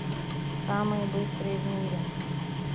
самые быстрые в мире